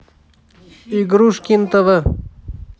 игрушкин тв